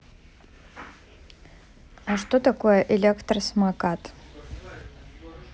а что такое электросамокат